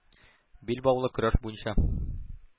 Билбаулы көрәш буенча